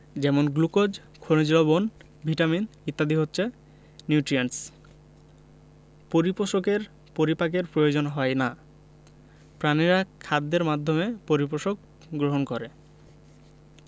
যেমন গ্লুকোজ খনিজ লবন ভিটামিন ইত্যাদি হচ্ছে নিউট্রিয়েন্টস পরিপোষকের পরিপাকের প্রয়োজন হয় না প্রাণীরা খাদ্যের মাধ্যমে পরিপোষক গ্রহণ করে